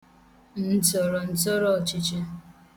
ǹtzọ̀rọ̀ǹtzọrọọ̄chị̄chị̄